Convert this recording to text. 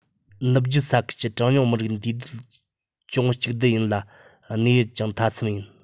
ནུབ རྒྱུད ས ཁུལ གྱི གྲངས ཉུང མི རིགས འདུས སྡོད ཅུང གཅིག སྡུད ཡིན ལ གནས ཡུལ ཀྱང མཐའ མཚམས ཡིན